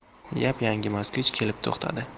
yap yangi moskvich kelib to'xtadi